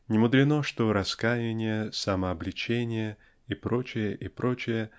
Не мудрено, что "раскаяние", "самообличение" и проч. , и проч.